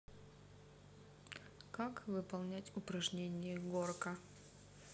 как выполнять упражнение горка